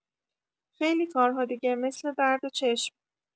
خیلی کارها دیگه مثل درد چشم